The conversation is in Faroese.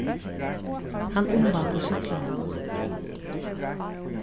hann umvældi súkkluna